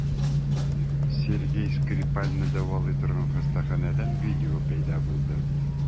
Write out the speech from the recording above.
Сергей Скрипальне дәвалый торган хастаханәдән видео пәйда булды.